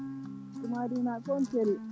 to Madiw naaɓe foof ene celli